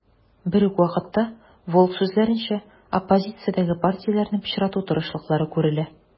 Берүк вакытта, Волк сүзләренчә, оппозициядәге партияләрне пычрату тырышлыклары күрелә.